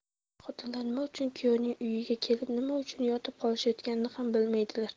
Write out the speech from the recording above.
xotinlar nima uchun kuyovning uyiga kelib nima uchun yotib qolishayotganini ham bilmaydilar